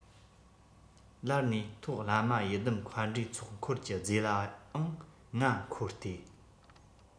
ལར ནས མཐོ བླ མ ཡི དམ མཁའ འགྲོའི ཚོགས འཁོར གྱི རྫས ལའང ང འཁོར སྟེ